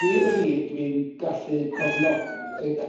wir i chi dwi'n gallu cofno- ei- yy